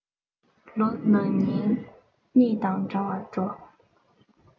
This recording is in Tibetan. ལོ ན ནིང སྙིང དང འདྲ བའི གྲོགས